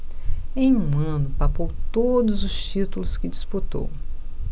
em um ano papou todos os títulos que disputou